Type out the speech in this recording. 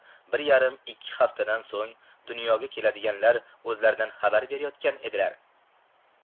bir yarim ikki haftadan so'ng dunyoga keladiganlar o'zlaridan xabar berayotgan edilar